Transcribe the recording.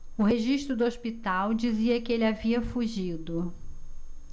o registro do hospital dizia que ele havia fugido